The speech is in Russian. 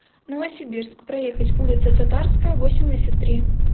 новосибирск проехать улица татарская восемьдесят три